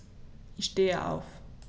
Ich stehe auf.